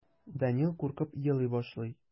Данил куркып елый башлый.